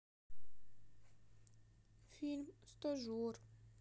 фильм стажер